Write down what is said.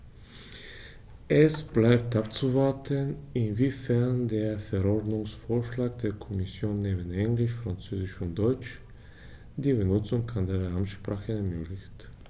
Es bleibt abzuwarten, inwiefern der Verordnungsvorschlag der Kommission neben Englisch, Französisch und Deutsch die Benutzung anderer Amtssprachen ermöglicht.